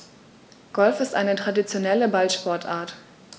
Golf ist eine traditionelle Ballsportart.